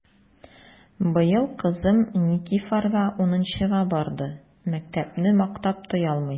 Быел кызым Никифарга унынчыга барды— мәктәпне мактап туялмый!